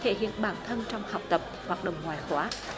thể hiện bản thân trong học tập hoạt động ngoại khóa